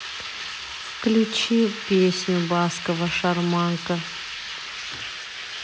включи песню баскова шарманка